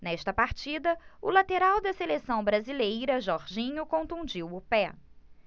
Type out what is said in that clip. nesta partida o lateral da seleção brasileira jorginho contundiu o pé